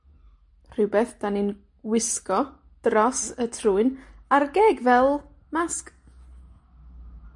Rhwbeth 'dan ni'n wisgo dros y trwyn a'r geg, fel masg.